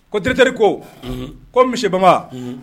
Ko t teriri ko ko misiba